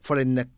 fa lañ nekk